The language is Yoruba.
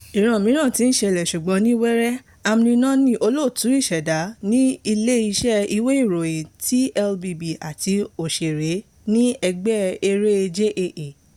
"Ìran mìíràn ti ń ṣẹlẹ̀, ṣùgbọ́n ní wẹ́rẹ́," Amine Nawny, olóòtú ìṣẹ̀dá ní ilé-iṣẹ́ ìwé-ìròyìn TLBB àti òṣèré ní ẹgbẹ́ eré JAA.